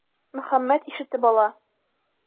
Мөхәммәт ишетеп ала.